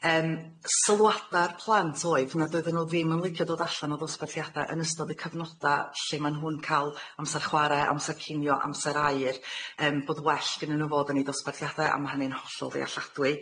Yym sylwada'r plant oedd nad oedden nw ddim yn licio dod allan o ddosbarthiada yn ystod y cyfnoda lle ma' nhw'n ca'l amser chware, amser cinio, amser aur. Yym bod well gynnyn nw fod yn eu dosbarthiada, a ma' hynny'n hollol ddealladwy.